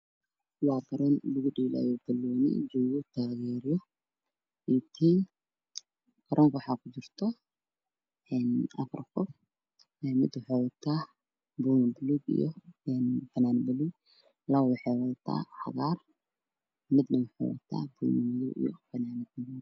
Ayo muuqda wiilal soomaaliyeed oo dheelay basketball mid wuxuu wataa fanaanad cagaar ah midna fanaanad buluugga refrigan wuxuu wataa isku joog madowaa waxa uuna wataa reer vriiga firimbi waxaana daawanaya taageero